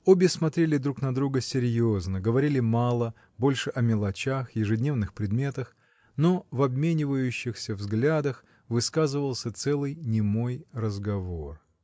Обе смотрели друг на друга серьезно, говорили мало, больше о мелочах, ежедневных предметах, но в обменивающихся взглядах высказывался целый немой разговор.